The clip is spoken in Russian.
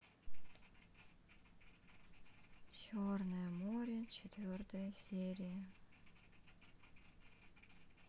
черное море четвертая серия